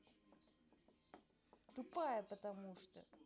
тупая потому что